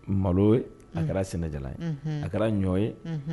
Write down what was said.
Malo a kɛra sɛnɛja ye a kɛra ɲɔ ye